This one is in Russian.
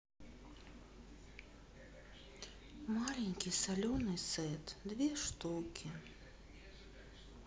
маленький соленый сет две штуки